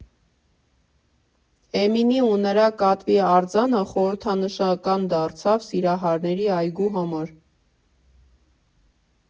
Էմինի ու նրա կատվի արձանը խորհրդանշական դարձավ Սիրահարների այգու համար։